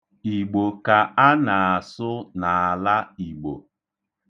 Igbo ka a na-asụ n'ala Igbo.